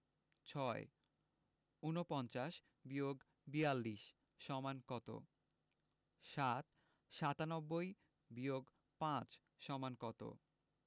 ৬ ৪৯-৪২ = কত ৭ ৯৭-৫ = কত